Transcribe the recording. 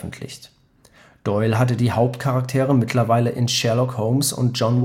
Doyle hatte die Hauptcharaktere mittlerweile in Sherlock Holmes und John